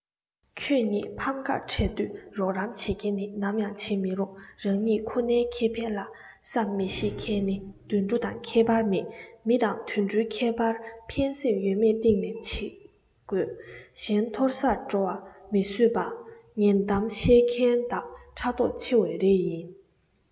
ཁྱོད ཉིད ཕམ ཁར འཕྲད དུས རོགས རམ བྱེད མཁན ནི ནམ ཡང རྗེད མི རུང རང ཉིད ཁོ ནའི ཁེ ཕན ལ བསམ མི ཤེས མཁན ནི དུད འགྲོ དང ཁྱད པར མེད མི དང དུད འགྲོའི ཁྱད པར ཕན སེམས ཡོད མེད སྟེང ནས འབྱེད དགོས གཞན མཐོ སར འགྲོ བ མི བཟོད པ ངན གཏམ བཤད མཁན དག ཕྲག དོག ཆེ བའི རིགས ཡིན